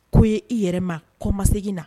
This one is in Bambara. Ko ye i yɛrɛ ma kɔ masegin na